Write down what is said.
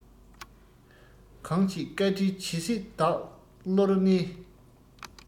གང ཁྱེད བཀའ དྲིན ཇི སྲིད བདག བློར གནས